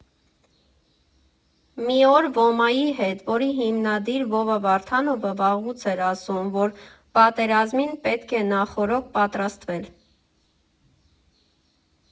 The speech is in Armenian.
Մի օր ՈՄԱ֊ի հետ, որի հիմնադիր Վովա Վարդանովը վաղուց էր ասում, որ պատերազմին պետք է նախօրոք պատրաստվել։